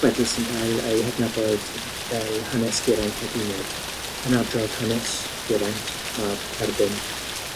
chwedl sy'n cael ei hadnabod fel hanes Geraint ac Enid yn adrodd hanes Geraint mab Erbyn